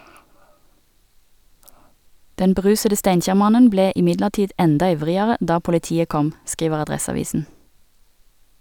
Den berusede Steinkjer-mannen ble imidlertid enda ivrigere da politiet kom , skriver Adresseavisen.